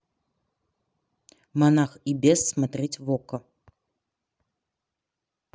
монах и бес смотреть в окко